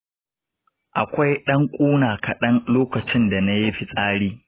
akwai ɗan ƙuna kaɗan lokacin da nayi fitsari.